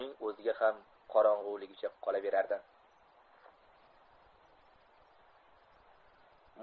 uning o'ziga ham qorong'iligicha qolaverardi